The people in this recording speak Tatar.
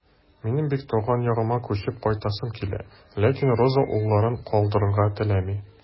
Минем бик туган ягыма күчеп кайтасым килә, ләкин Роза улларын калдырырга теләми.